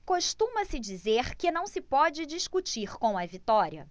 costuma-se dizer que não se pode discutir com a vitória